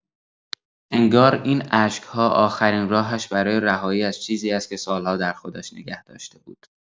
انگار که این اشک‌ها، آخرین راهش برای رهایی از چیزی است که سال‌ها در خودش نگه داشته بوده.